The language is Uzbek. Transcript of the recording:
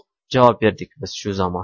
javob berdik biz shu zamon